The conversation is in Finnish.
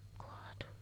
kaatui